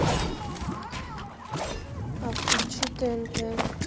а включи тнт